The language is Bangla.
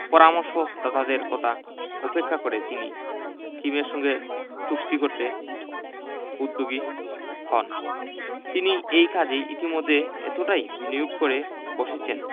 পরামর্শদাতাদের কথা উপেক্ষা করে তিনি কিমের সঙ্গে চুক্তি করতে উদ্যোগী হন তিনি এই কাজে ইতিমধ্যে এতটাই বিনিয়োগ করে বসেছেন